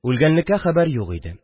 Үлгәнлеккә хәбәр юк иде